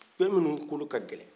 fɛn minuw kolokagɛlɛn